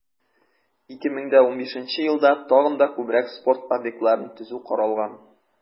2015 елда тагын да күбрәк спорт объектларын төзү каралган.